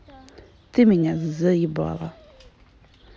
ты меня заебала